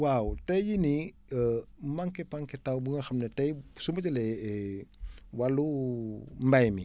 waaw tey jii nii manqué manqué taw bu nga xam ne tey su ma jëlee wàllu mbéy mi